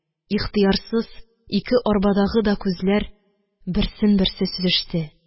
Ихтыярсыз ике арбадагы да күзләр берсен берсе сөзеште.